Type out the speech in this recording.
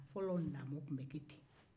fɔlɔ lamɔ tun bɛ kɛ ten